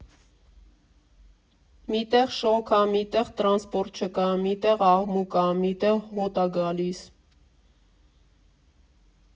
Մի տեղ շոգ ա, մի տեղ տրանսպորտ չկա, մի տեղ աղմուկ ա, մի տեղ հոտ ա գալիս։